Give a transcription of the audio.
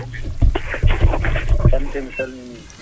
Kanté mi salminiima